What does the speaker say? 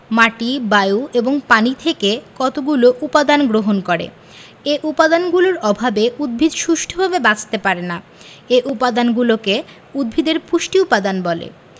মাটি বায়ু এবং পানি থেকে কতগুলো উপদান গ্রহণ করে এ উপাদানগুলোর অভাবে উদ্ভিদ সুষ্ঠুভাবে বাঁচতে পারে না এ উপাদানগুলোকে উদ্ভিদের পুষ্টি উপাদান বলে